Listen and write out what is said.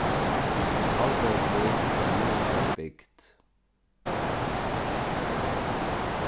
haldórsvík var nýggjársbygd